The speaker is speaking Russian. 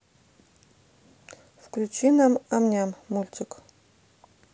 включи нам ам ням мультик